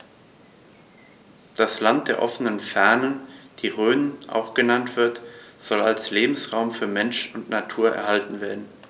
Das „Land der offenen Fernen“, wie die Rhön auch genannt wird, soll als Lebensraum für Mensch und Natur erhalten werden.